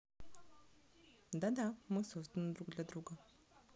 да да мы созданы друг для друга